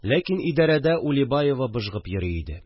Ләкин идәрәдә Улибаева быжгып йөри иде